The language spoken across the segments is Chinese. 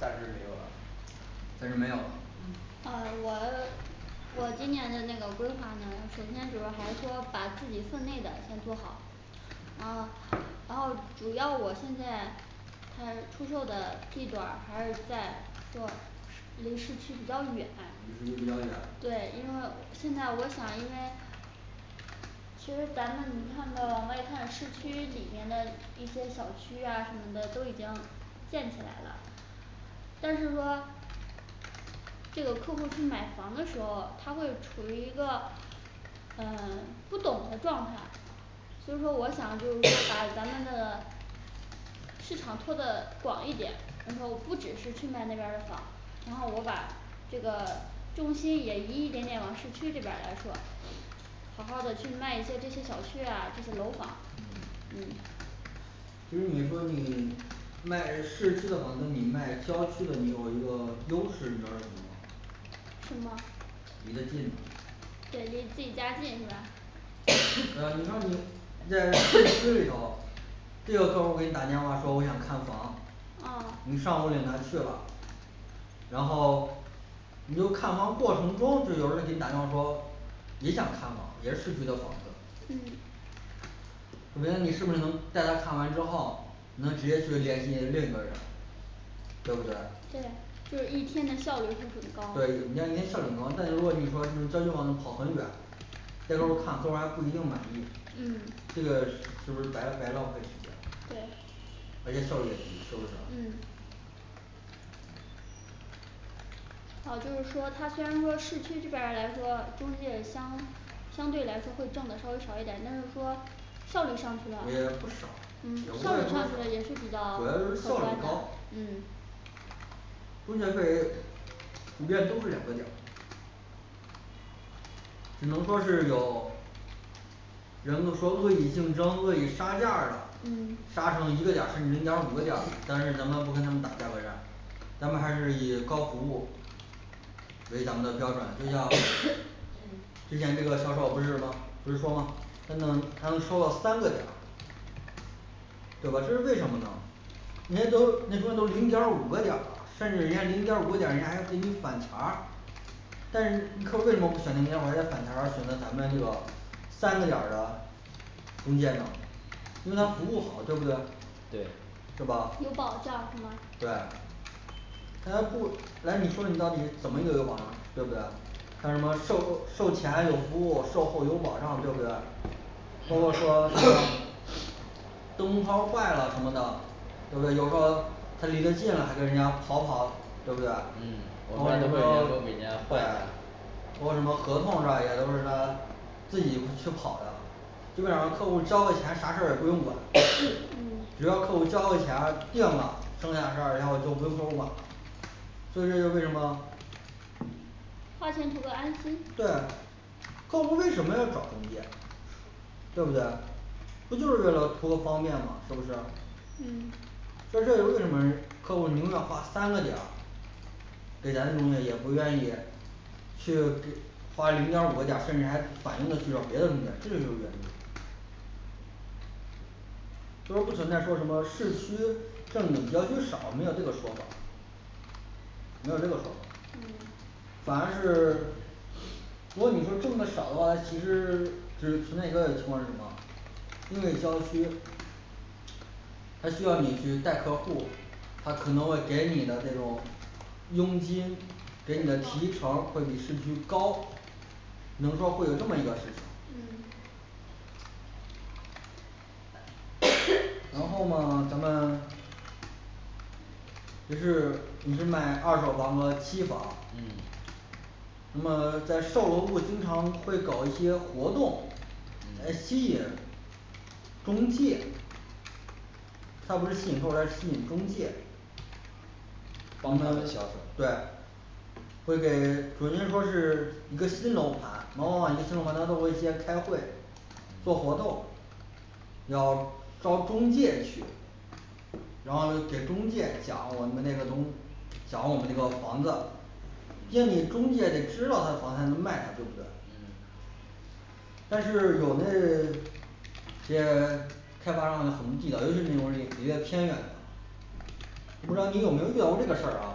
暂时没有了暂时没有了。呃嗯我我今年的那个规划呢首先主要还说把自己份内的先做好，然后然后主要我现在它出售的地段儿还是在说市离市区比较远离市区，比较远对，因为现在我想因为其实咱们你看到往外看，市区里面的一些小区啊什么的都已经建起来了但是说这个客户去买房的时候儿，他会处于一个嗯不懂的状态所以说我想就是说& &把咱们的 市场拖得广一点，到时候不只是去卖那边儿的房，然后我把这个重心也移一点点往市区这边儿来说，好好的去卖一些这些小区啊这些楼房嗯嗯其实你说你卖市区的房跟你卖郊区的，你有一个优势，你知道是什么吗？什么？离得近吗对，离自己家近是吧？&&啊你看你在村里头&& 这个客户给你打电话说我想看房，你啊上午领他去了然后你就看房过程中就有人给你打电话说，也想看也是市区的房子嗯怎么样你是不是能带他看完之后能直接去联系另一个人，对不对对？，就是一天的效率会很高，对你像一天效率高，但如果你说你说郊区房那跑很远这时候看客户还不一定满意，这嗯个是是不是白白浪费时间对而且效率也低，是不是嗯好，就是说他虽然说市区这边儿来说，中介相相对来说会挣的稍微少一点儿，但是说效率上去了也不少，也，不嗯是说主效要率上也是比较客就是效率观的高。，嗯中介费普遍都是两个点儿只能说是有人们说恶意竞争恶意杀价儿的，杀嗯成一个点儿甚至零点五个点儿，但是咱们不跟他们打价格战咱们还是以高服务为咱们的标准，& &就像之前这个销售不是吗，不是说吗他能他能收到三个点儿对吧？这是为什么呢？人家都那时候都零点儿五个点儿了，甚至人家零点儿五个点人家还给你返钱儿但是你客户为什么不选择零点儿五还得返钱儿而选择咱们这个三个点儿的中介呢因为他服务好对不对对是吧？有保障是吗对他还不来你说说你到底怎么一个有保障对不对还有什么售售前有服务，售后有保障对不对？包括说什么&& 灯泡儿坏了什么的，对不对？有时候儿他离得近了，还给人家跑跑对不对？包括什嗯么对包括什么合同是吧？也都是他自己去跑的基本上客户交了钱啥事儿也不用管，& &只要嗯客户交了钱定了，剩下十二天我就不用客户儿管了所以这就为什么花钱图个安心对客户儿为什么要找中介对不对？不就是为了图个方便嘛，是不是嗯所以这就是为什么客户宁愿花三个点儿给咱中介也不愿意去给花零点儿五个点儿，甚至还反应得去找别的中介，这是就是原因？就是不存在说什么市区证交接少没有这个说法儿没有这个说法儿、嗯反而是 如果你说挣得少的话他其实其实存在一个情况是什么因为郊区他需要你去带客户儿，他可能会给你的那种佣金，给你的提成儿高会比市区高能说会有这么一个事情嗯 &&然后嘛咱们也是你是卖二手房和期房嗯那么在售楼部经常会搞一些活动来嗯吸引中介他不是吸引客户儿他吸引中介。帮帮他他销售对会给首先说是一个新楼盘，往往一个新楼盘他都会先开会做活动，要招中介去然后给中介讲我们那个东讲我们那个房子见你中介得知道到他房才能卖它对不对？嗯但是有那 这开发商好像很不地道，尤其是那种离离的偏远的我不知道你有没有遇到过这个事儿啊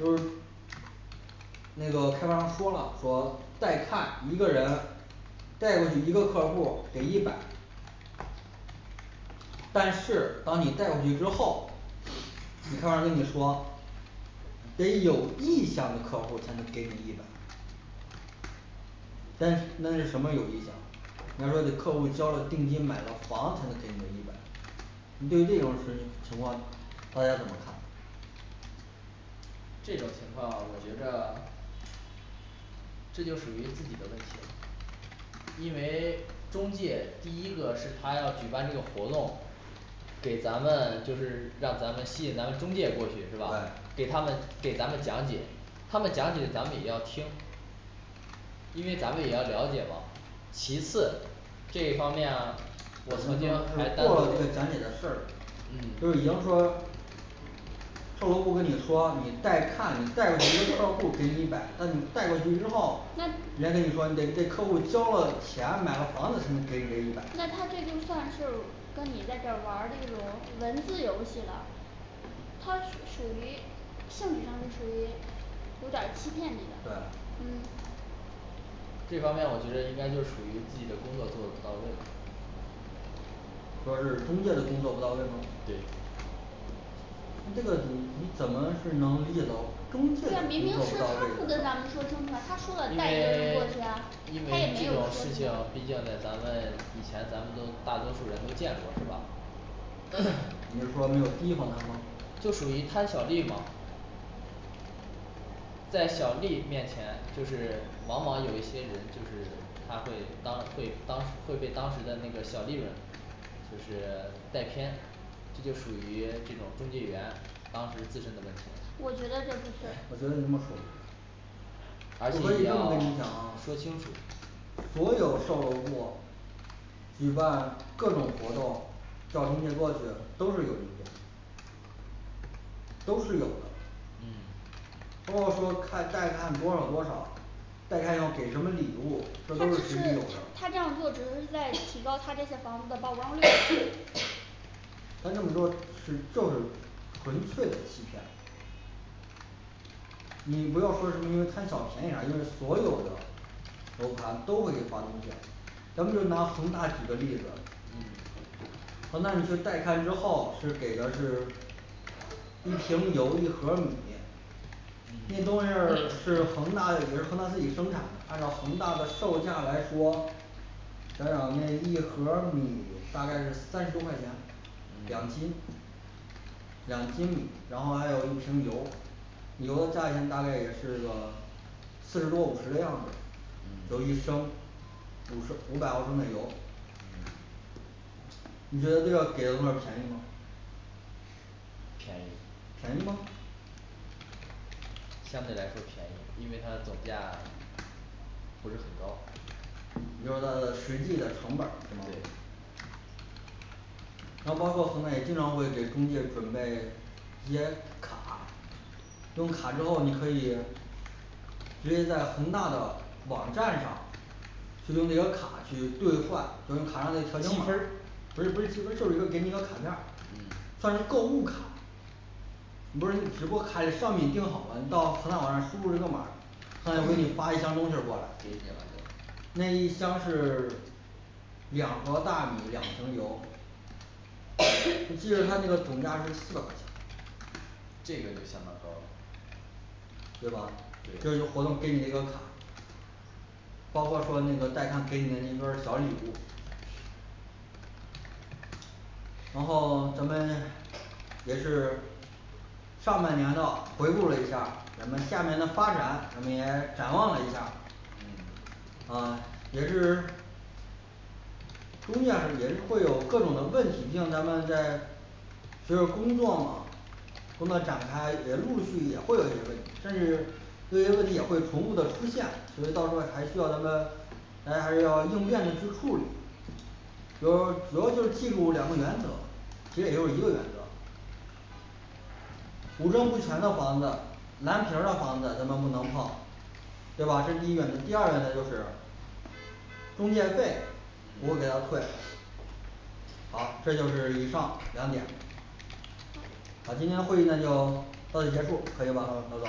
就是那个开发商说了说带看一个人儿带过去一个客户儿给一百但是当你带过去之后，你看完跟你说得有意向的客户儿才能给你一百但是那是什么有意向。 人家说得客户儿交了定金，买了房才能给你这一百你对于这种实际情况，大家怎么看？这种情况我觉得 这就属于自己的问题了因为中介第一个是他要举办这个活动给咱们就是让咱们吸引咱们中介过去是吧？给他对们给咱们讲解他们讲解咱们也要听因为咱们也要了解嘛。其次这一方面我我曾们经还是担过过了，这个讲解的事儿，就是已嗯经说售楼部跟你说，你带看你带过去一个& &客户儿给你一百，但你带过去之后，人那家跟你说你得你得客户交了钱，买了房子才能给你这一百，那他这就算是跟你在这儿玩儿这种文字游戏了它属属于性质上就属于有点儿欺骗你的，嗯对这方面我觉得应该就属于自己的工作做不到位说是中介的工作不到位吗？对那这个怎么你怎么是能理解到中介的对啊工明明作是不到他不位跟的呢咱？们说清楚啊他因为说了带一个人过去啊因，他也为没有这说种什事么情，毕竟在咱们以前咱们多大多数人都见过是吧你就说没有堤防他吗，就属于贪小利吗在小利益面前就是往往有一些人就是他会当会当时会被当时的那个小利润就是带偏这就属于这种中介员，当时自身的问题，我觉得这不我觉得你这么说是不对。而我可且以这么要跟你讲啊说清楚所有售楼部举办各种活动，叫中介过去都是有意见都是有的包括说看带看多少多少带看要给什么礼物他这是他，这都是实际有的他这样做只是在& &提高他这些房子的曝光率&& 他这么说是就是纯粹的欺骗你不要说什么因为贪小便宜啊，因为所有的楼盘都会有发东西啊咱们就拿恒大举个例子嗯恒大你去带看之后是给的是一瓶油一盒儿米那东西儿是恒大也是恒大自己生产的，按照恒大的售价来说想想那一盒儿米大概是三十多块钱，两嗯斤两斤米，然后还有一瓶油，油的价钱大概也是个四十多五十的样子有一嗯升五十五百毫升的油你觉得这个给的东西儿便宜吗？便宜。便宜吗？相对来说便宜，因为它的总价 不是很高。你就说他的实际的成本儿是吗？对然后包括恒大也经常会给中介准备一些卡用卡之后你可以直接在恒大的网站上是用这个卡去兑换，就用卡上那条形积码分儿儿，，不是不是积分儿就是一个给你一个卡片儿，算是嗯购物卡。你不是只不过卡上面已订好了，你到恒大网上输入这个码儿，他就嗯给给你你了发一箱东西儿过来就那一箱是两盒大米& &两瓶油 &&你记着他那个总价是四百块钱这个就相当高了对吧？这就活对动给你这个卡包括说那个带看给你的那份儿小礼物，然后咱们也是上半年呢回顾了一下儿咱们下面的发展，我们也展望了一下儿，嗯啊也是中介是也是会有各种的问题，毕竟咱们在随着工作嘛工作展开也陆续也会有一些问题，甚至这些问题也会重复的出现，所以到时候还需要咱们大家还是要应变的去处理主要主要就是记住两个原则，其实也就是一个原则五证不全的房子，蓝皮儿的房子咱们不能碰，对吧？这是第一原则。第二原则就是中介费，不会嗯给他退好，这就是以上两点儿好好今天会议呢就到此结束，可以吧老总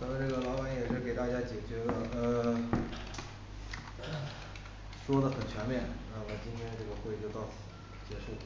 咱们这个老板也是给大家解决了呃 说得很全面，那我们今天这个会就到此结束。